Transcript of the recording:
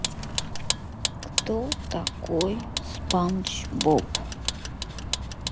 кто такой спанч боб